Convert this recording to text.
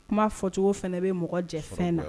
Kuma fɔcogo fana bɛ mɔgɔ jɛfɛn na